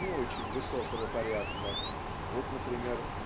не очень высокого порядка -- вот например